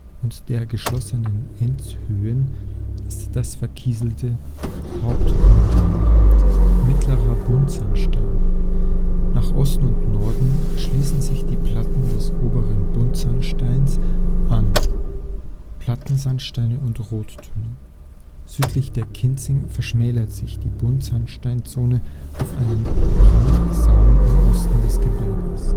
und der geschlossenen Enzhöhen ist das verkieselte Hauptkonglomerat (Mittlerer Buntsandstein). Nach Osten und Norden schließen sich die Platten des Oberen Buntsandsteins an (Plattensandsteine und Röttone). Südlich der Kinzig verschmälert sich die Buntsandsteinzone auf einen Randsaum im Osten des Gebirges